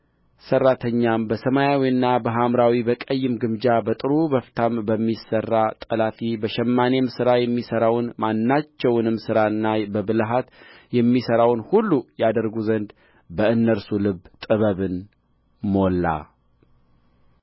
ሠራተኛም በሰማያዊና በሐምራዊ በቀይም ግምጃ በጥሩ በፍታም በሚሠራ ጠላፊ በሸማኔም ሥራ የሚሠራውን ማናቸውንም ሥራና በብልሃት የሚሠራውን ሁሉ ያደርጉ ዘንድ በእነርሱ ልብ ጥበብን ሞላ